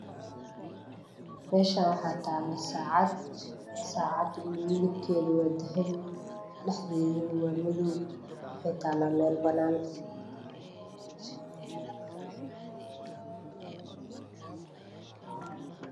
Meshaan waxa taalo saaca midabkood waa dagai waxay talaa meel banaan